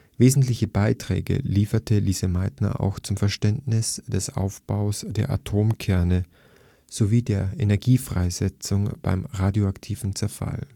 Wesentliche Beiträge lieferte Lise Meitner auch zum Verständnis des Aufbaus der Atomkerne sowie der Energiefreisetzung beim radioaktiven Zerfall